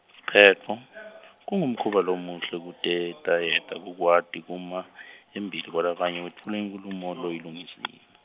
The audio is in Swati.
Siphetfo , kungumkhuba lomuhle kutetayeta kukwati kuma, embili kwalabanye wetfule inkhulumo loyilungisile.